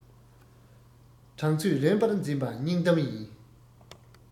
དྲང ཚོད རན པར འཛིན པ སྙིང གཏམ ཡིན